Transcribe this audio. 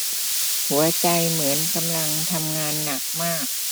หัวใจเหมือนกำลังทำงานหนักมาก